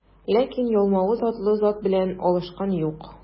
Ләкин Ялмавыз атлы зат белән алышкан юк.